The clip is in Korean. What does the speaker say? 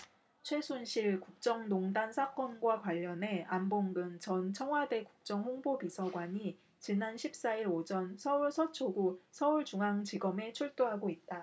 최순실 국정농단 사건과 관련해 안봉근 전 청와대 국정홍보비서관이 지난 십 사 일 오전 서울 서초구 서울중앙지검에 출두하고 있다